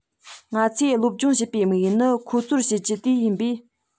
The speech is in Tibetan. ང ཚོས སློབ སྦྱོང བྱེད པའི དམིགས ཡུལ ནི ཁོ ཚོར བཤད རྒྱུ དེ ཡིན པས